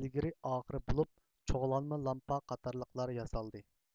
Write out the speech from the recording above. ئىلگىرى ئاخىر بولۇپ چوغلانما لامپا قاتارلىقلار ياسالدى